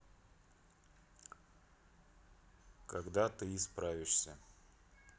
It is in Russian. когда ты исправишься